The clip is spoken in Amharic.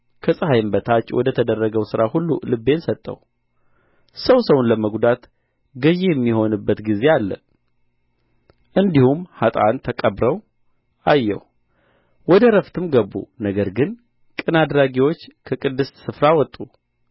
ከፀሐይም በታች ወደ ተደረገው ሥራ ሁሉ ልቤን ሰጠሁ ሰው ሰውን ለመጕዳት ገዢ የሚሆንበት ጊዜ አለ እንዲሁም ኀጥኣን ተቀብረው አየሁ ወደ ዕረፍትም ገቡ ነገር ግን ቅን አድራጊዎች ከቅድስት ስፍራ ወጡ